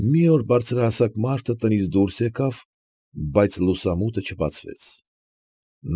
Մի օր բարձրահասակ մարդը, տանից դուրս եկավ, բայց լուսամուտը չբացվեց։